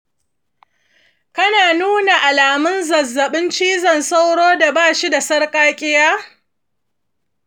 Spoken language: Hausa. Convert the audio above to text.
kana nuna alamun zazzaɓin cizon sauro da bashi da sarƙaƙiya.